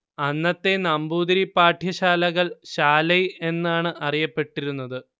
അന്നത്തെ നമ്പൂതിരി പാഠ്യശാലകൾ ശാലൈ എന്നാണ് അറിയപ്പെട്ടിരുന്നത്